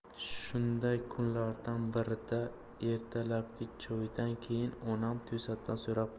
shunday kunlardan birida ertalabki choydan keyin onam to'satdan so'rab qoldi